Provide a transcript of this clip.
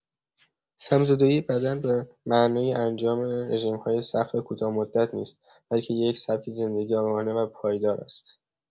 سم‌زدایی بدن به معنای انجام رژیم‌های سخت و کوتاه‌مدت نیست، بلکه یک سبک زندگی آگاهانه و پایدار است.